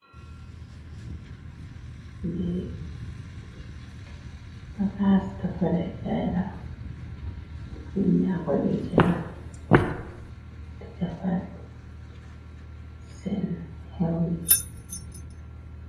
Lii bagaas si defare kay la, nit nyako de jal di defari sen xew yi.